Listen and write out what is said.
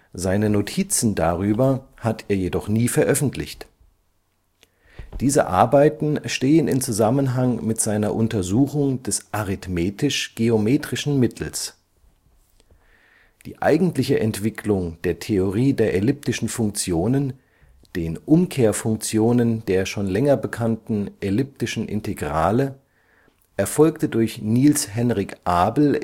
Seine Notizen darüber hat er jedoch nie veröffentlicht. Diese Arbeiten stehen in Zusammenhang mit seiner Untersuchung des arithmetisch-geometrischen Mittels. Die eigentliche Entwicklung der Theorie der elliptischen Funktionen, den Umkehrfunktionen der schon länger bekannten elliptische Integrale, erfolgte durch Niels Henrik Abel